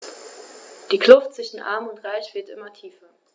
Die Kluft zwischen Arm und Reich wird immer tiefer.